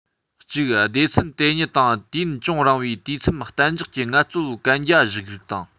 གཅིག སྡེ ཚན དེ ཉིད དང དུས ཡུན ཅུང རིང བའི དུས མཚམས གཏན འཇགས ཀྱི ངལ རྩོལ གན རྒྱ བཞག རིགས དང